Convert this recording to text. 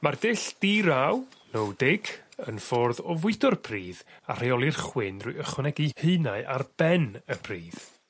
Ma'r dull di-raw no dig yn ffordd o fwydo'r pridd a rheoli'r chwyn drwy ychwanegu haenau ar ben y pridd.